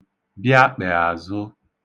bị̄ākpè àzụ